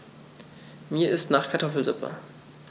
Mir ist nach Kartoffelsuppe.